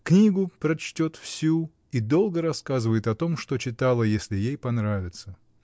книгу прочтет всю и долго рассказывает о том, что читала, если ей понравится.